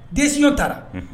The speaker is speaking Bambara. Densi'o taara